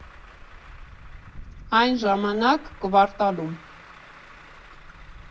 Այն ժամանակ՝ Կվարտալում։